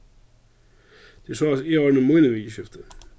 tað er soleiðis eg orðni míni viðurskifti